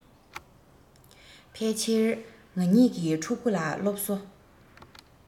ཕལ ཕྱིར ང གཉིས ཀྱི ཕྲུ གུ ལ སློབ གསོ